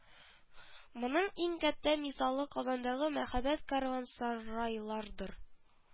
Моның иң кәттә мисалы казандагы мәһабәт кәрвансарайлардыр